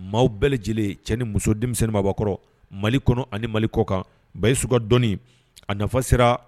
Maaw bɛɛ lajɛlen cɛ ni muso denmisɛnninbaakɔrɔ mali kɔnɔ ani mali kɔkan ba ye suka dɔnni a nafa sera